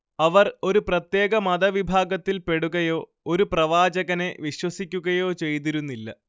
അവർ ഒരു പ്രത്യേക മതവിഭാഗത്തിൽപ്പെടുകയോ ഒരു പ്രവാചകനെ വിശ്വസിക്കുകയോ ചെയ്തിരുന്നില്ല